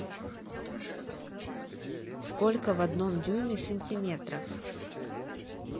сколько в одном дюйме сантиметров